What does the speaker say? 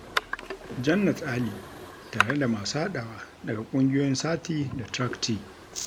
Jannat Ali tare da masu haɗawa daga ƙungiyoyin Sathi da Tract-T.